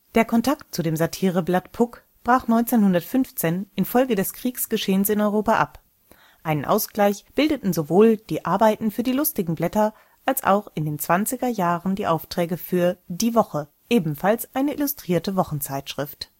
Der Kontakt zu dem Satireblatt „ Puck “brach 1915 infolge des Kriegsgeschehens in Europa ab. Einen Ausgleich bildeten sowohl die Arbeiten für die „ Lustigen Blätter “als auch in den zwanziger Jahren die Aufträge für Die Woche, ebenfalls eine illustrierte Wochenzeitschrift